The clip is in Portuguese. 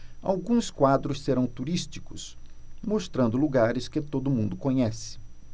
alguns quadros serão turísticos mostrando lugares que todo mundo conhece